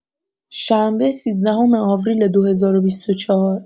شنبه سیزدهم آوریل دو هزار و بیست و چهار